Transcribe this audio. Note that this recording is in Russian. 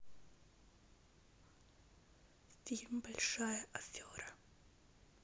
фильм большая афера